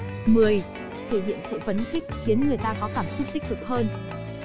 thể hiện sự phấn khích khiến người ta có cảm xúc tích cực hơn